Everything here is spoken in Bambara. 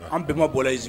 An bɛnbaw bɔla